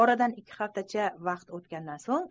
oradan ikki haftacha vaqt o'tgandan so'ng